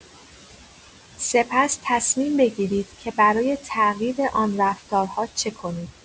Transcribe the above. سپس، تصمیم بگیرید که برای تغییر آن رفتارها چه کنید.